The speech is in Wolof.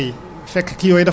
te yooyu xamuñ